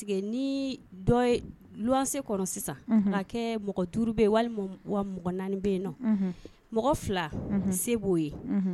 puisque ni dɔ ye luwanse kɔnɔ sisan, unhun,c a ka kɛ mɔgɔ 5 bɛ yen, walima mɔgɔ 4 bɛ yen, unhun, walima, mɔgɔ 2, unhun, se b'o ye